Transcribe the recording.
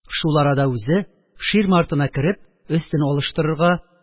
Шул арада үзе, ширма артына кереп өстен алыштырырга